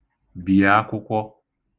bì akwụkwọ